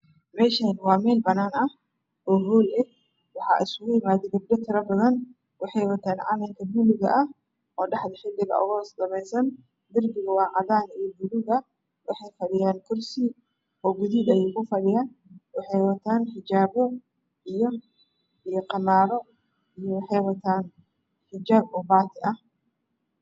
Meshan waa mel banan ah oo hol eh waxa iskugu imaday gabdho badan waxey watan calanka buluga ah o dhaxda xidiga ugu samesan darbiga waa cadan iyo madow ah waxey ku fadhiyan korsi gudu ah waxey wadan xiyaabo iyo qabato iyo xijab bati ah